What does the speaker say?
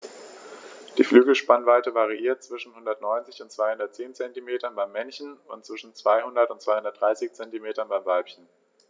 Die Flügelspannweite variiert zwischen 190 und 210 cm beim Männchen und zwischen 200 und 230 cm beim Weibchen.